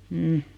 mm